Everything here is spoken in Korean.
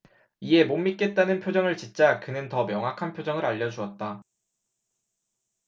이에 못 믿겠다는 표정을 짓자 그는 더 명확한 소식을 알려주었다